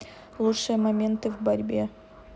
лучшие моменты в борьбе